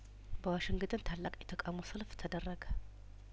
በዋሽንግተን ታላቅ የተቃውሞ ሰልፍ ተደረገ